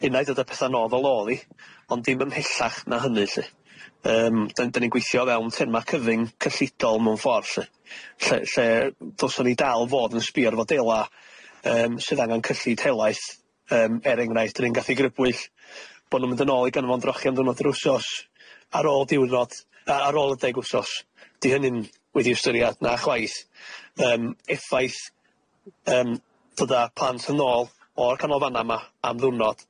unai dod â petha nôl fel o'dd 'i i ond dim ymhellach na hynny lly yym dan- 'dan ni'n gweithio o fewn terma cyfyng cyllidol mewn ffor lly lle lle dylswn ni dal fod yn sbio ar fodela yym sydd angan cyllid helaeth yym er enghraifft 'dyn ni'n gallu grybwyll bo nw'n mynd yn ôl i ganolfan drochi am ddiwrnod yr wsos ar ôl diwrnod a ar ôl y deg wsos 'di hynny'm wedi ystyriad na chwaith yym effaith yym dod a plant yn ôl o'r canolfanna ma' am ddiwrnod,